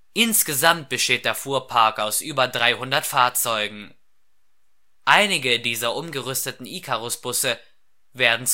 Insgesamt besteht der Fuhrpark aus über 300 Fahrzeugen. Einige dieser umgerüsteten Ikarus-Busse werden